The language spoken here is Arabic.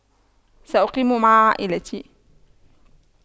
سأقيم مع عائلتي